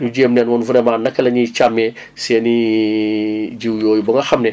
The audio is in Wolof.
ñu jéem nag moom vraiment naka la ñuy càmmee seen i jiw yooyu ba nga xam ne